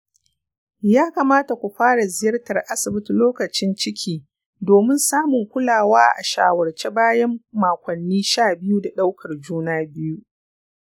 ya kamata ku fara ziyartar asibiti lokacin ciki domin samun kulawa a shawarce bayan makonni sha biyu da ɗaukar juna-biyu